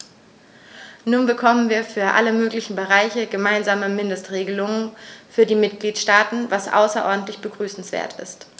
Nun bekommen wir für alle möglichen Bereiche gemeinsame Mindestregelungen für die Mitgliedstaaten, was außerordentlich begrüßenswert ist.